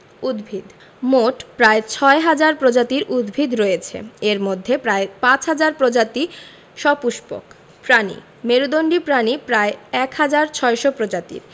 উদ্ভিদঃ মোট প্রায় ৬ হাজার প্রজাতির উদ্ভিদ রয়েছে এর মধ্যে প্রায় ৫ হাজার প্রজাতি সপুষ্পক প্রাণীঃ মেরুদন্ডী প্রাণী প্রায় ১হাজার ৬০০ প্রজাতির